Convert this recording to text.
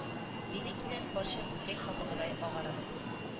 Диде кинәт карчык күкәй кабыгыдай агарынып